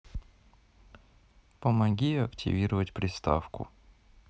помоги активировать приставку